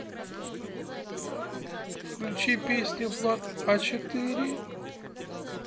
включи песню влад а четыре